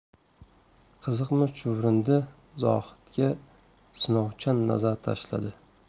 qiziqmi chuvrindi zohidga sinovchan nazar tashladi